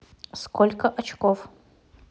сколько очков